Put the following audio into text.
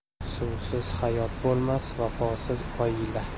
suvsiz hayot bo'lmas vafosiz oila